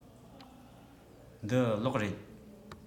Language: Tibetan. འདི གློག རེད